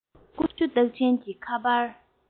ཀུ ཤུ རྟགས ཅན གྱི ཁ པར